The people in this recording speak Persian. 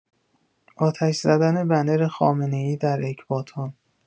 آتش‌زدن بنر خامنه‌ای در اکباتان